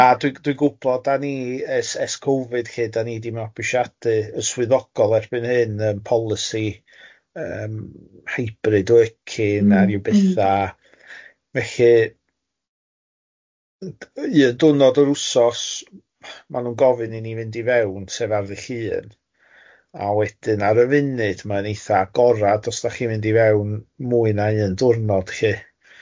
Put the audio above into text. Na dwi dwi'n gwybod dan ni ers ers Covid lly dan ni wedi mabwysiadu yn swyddogol erbyn hyn yn policy yym hybrid o ecyn na rywbetha... M-hm. ...felly yy un dwrnod o'r wsos ma nhw'n gofyn i ni fynd i fewn sef ar Ddy Llun, a wedyn ar y funud mae'n eitha agorad os dach chi'n mynd i fewn mwy na un diwrnod lly.